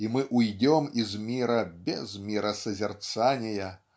и мы уйдем из мира без миросозерцания